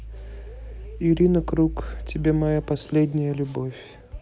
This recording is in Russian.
ирина круг тебе моя последняя любовь